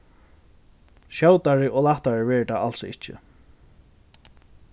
skjótari og lættari verður tað als ikki